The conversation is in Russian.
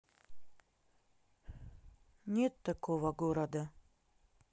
нет такого города